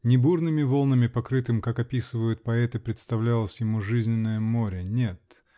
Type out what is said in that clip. Не бурными волнами покрытым, как описывают поэты, представлялось ему жизненное море -- нет